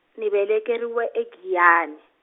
ne velekeriwe e Giyani.